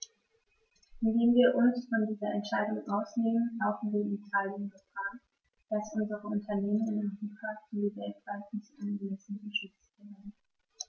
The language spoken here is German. Indem wir uns von dieser Entscheidung ausnehmen, laufen wir in Italien Gefahr, dass unsere Unternehmen in Europa sowie weltweit nicht angemessen geschützt werden.